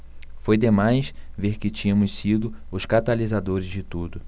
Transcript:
foi demais ver que tínhamos sido os catalisadores de tudo